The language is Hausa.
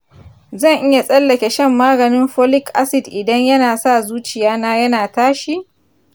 zan iya tsallake shan maganin folic acid idan yana sa zuciya na yana tashi?